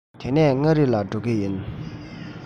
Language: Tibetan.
དེ ནས མངའ རིས ལ འགྲོ གི ཡིན